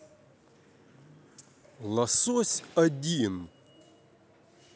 лосось один